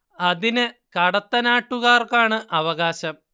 അതിൻ കടത്തനാട്ടുകാർക്കാണ് അവകാശം